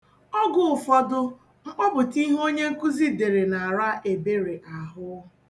Oge ụfọdụ, mkpọpụta ihe onyenkuzi dere na-ara Ebere ahụ.